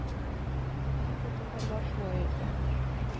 Кайбер татарлар шулай әйтә.